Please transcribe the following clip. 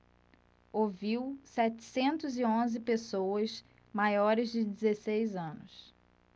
ouviu setecentos e onze pessoas maiores de dezesseis anos